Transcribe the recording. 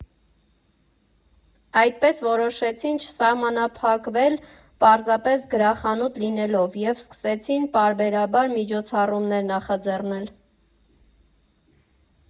Այդպես որոշեցին չսահմանափակվել պարզապես գրախանութ լինելով և սկսեցին պարբերաբար միջոցառումներ նախաձեռնել։